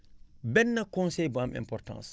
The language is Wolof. benn conseil bu am importance